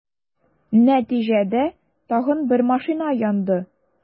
Нәтиҗәдә, тагын бер машина янды.